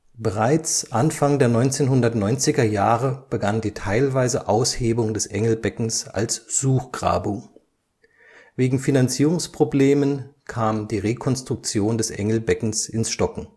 Bereits Anfang der 1990er Jahre begann die teilweise Aushebung des Engelbeckens als Suchgrabung. Wegen Finanzierungsproblemen kam die Rekonstruktion des Engelbeckens ins Stocken